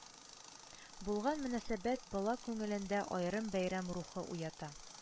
Булган мөнәсәбәт бала күңелендә аерым бәйрәм рухы уята